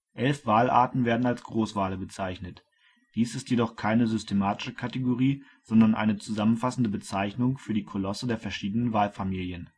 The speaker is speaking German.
Elf Walarten werden als Großwale bezeichnet. Dies ist jedoch keine systematische Kategorie, sondern eine zusammenfassende Bezeichnung für die Kolosse der verschiedenen Walfamilien